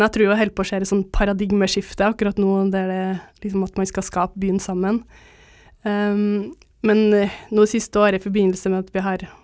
jeg trur det holder på å skjer et sånt paradigmeskifte akkurat nå der det liksom at man skal skape byen sammen men nå det siste året i forbindelse med at vi har,